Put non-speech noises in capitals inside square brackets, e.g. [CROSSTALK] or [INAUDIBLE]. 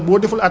[HESITATION] [HESITATION]